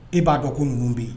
E b'a dɔn ko mun bɛ yen